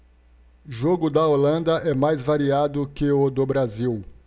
jogo da holanda é mais variado que o do brasil